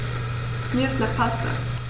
Mir ist nach Pasta.